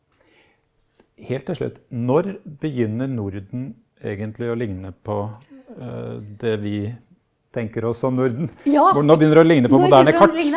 helt til slutt, når begynner Norden egentlig å ligne på det vi tenker oss som Norden, når når begynner det å ligne på moderne kart?